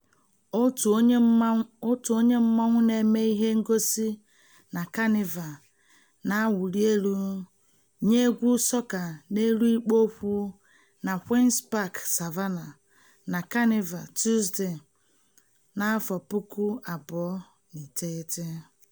Otu onye mmọnwụ na-eme ihe ngosi na kanịva"na-awụli elu" nye egwu sọka n'elu ikpo okwu na Queen's Park Savannah, na Kanịva Tuuzde, 2009.